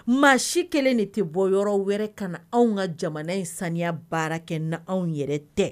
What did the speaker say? Maa si kelen de tɛ bɔ yɔrɔ wɛrɛ ka na anw ka jamana in saniya baara kɛ n na anw yɛrɛ tɛ